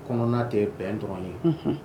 Kɔnɔna tɛ bɛn dɔrɔrɔnw ye, unhun.